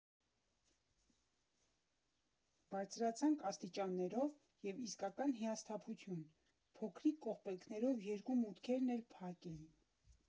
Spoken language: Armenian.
Բարձրացանք աստիճաններով և իսկական հիասթափություն՝ փոքրիկ կողպեքներով երկու մուտքերն էլ փակ էին։